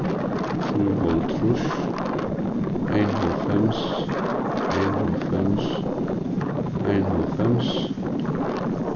trýoghálvtrýss einoghálvfems einoghálvfems einoghálvfems